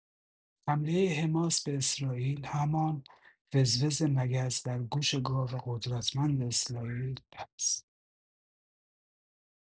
حمله حماس به اسرائیل، همان وز وز مگس در گوش گاو قدرتمند اسرائیل هست.